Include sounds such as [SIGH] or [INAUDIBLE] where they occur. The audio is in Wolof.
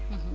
[HESITATION] [HESITATION]